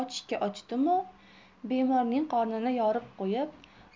ochishga ochdimu bemorning qornini yorib qo'yib